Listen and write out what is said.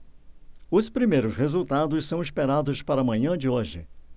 os primeiros resultados são esperados para a manhã de hoje